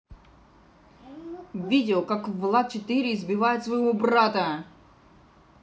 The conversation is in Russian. видео как влад четыре избивает своего брата